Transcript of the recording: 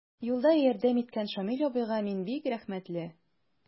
Юлда ярдәм иткән Шамил абыйга мин бик рәхмәтле.